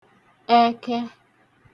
ẹkẹ